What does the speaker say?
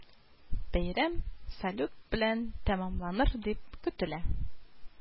Бәйрәм салют белән тәмамланыр дип көтелә